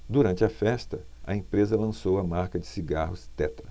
durante a festa a empresa lançou a marca de cigarros tetra